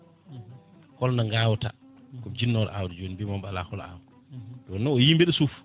holno gawata komi jinnoɗo awde joni mbimomi ala hoto aw joni noon o yii mbeɗa sufa